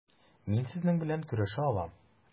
Мин сезнең белән көрәшә алам.